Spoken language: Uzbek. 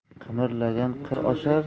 qimirlagan qir oshar